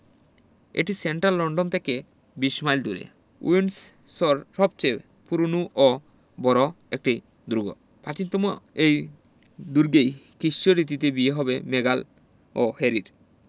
এটি central London থেকে ২০ mile দূরে উইন্ডসর সবচেয়ে পুরোনো ও বড় একটি দুর্গ প্রাচীনতম এই দুর্গেই খ্রিষ্টীয় রীতিতে বিয়ে হবে মেগাল ও হ্যারির